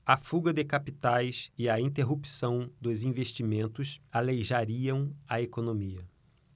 a fuga de capitais e a interrupção dos investimentos aleijariam a economia